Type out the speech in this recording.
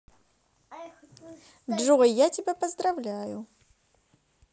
джой я тебя поздравляю